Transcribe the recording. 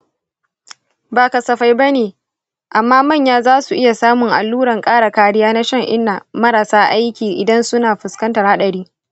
ba kasafai ba ne, amma manya za su iya samun alluran ƙara kariya na shan-inna marasa aiki idan suna fuskantar haɗari.